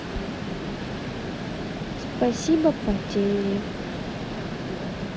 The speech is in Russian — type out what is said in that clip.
спасибо потери